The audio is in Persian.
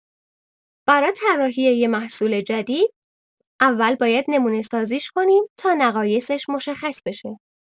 برا طراحی یه محصول جدید، اول باید نمونه‌سازیش کنیم تا نقایصش مشخص بشه.